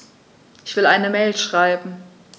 Ich will eine Mail schreiben.